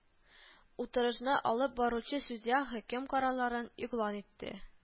Утырышны алып баручы судья хөкем карарларын игълан итте